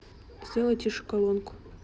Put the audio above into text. сделай тише колонку